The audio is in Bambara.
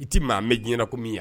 I tɛ maa bɛ diɲɛinɛɲɛna kɔmi min wa